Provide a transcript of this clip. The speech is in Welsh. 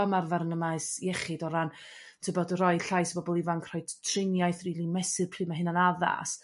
ymarfer yn y maes iechyd o ran t'bod o roi llais i bobl ifanc rhoid triniaeth rili mesur pryd ma' hyn yn addas.